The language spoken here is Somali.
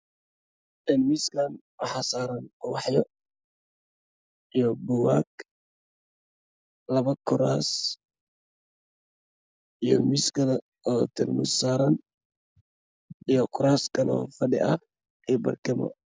Waa qol waxaa yaalo fadhi iyo kuraas midabkooda yahay caddeyn dahmanka wa cadaan